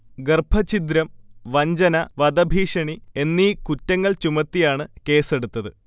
ഗർഭഛിദ്രം, വഞ്ചന, വധഭീഷണി എന്നീ കുറ്റങ്ങൾ ചുമത്തിയാണ് കേസെടുത്തത്